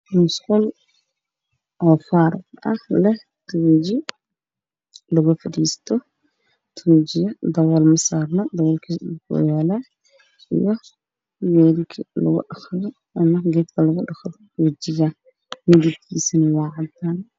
Halkaan waxaa ka muuqdo musqul waxa mesha ka muuqdo shaawar, tuunjiga saxarada iyo waji dhaqa